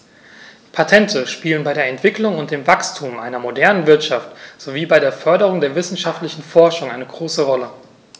Patente spielen bei der Entwicklung und dem Wachstum einer modernen Wirtschaft sowie bei der Förderung der wissenschaftlichen Forschung eine große Rolle.